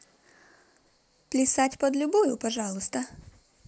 плясать под любую пожалуйста